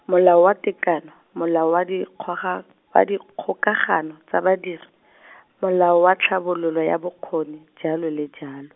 Molao wa Tekano, Molao wa dikgoga- wa Dikgokagano tsa badiri , Molao wa Tlhabololo ya bokgoni, jalo le jalo.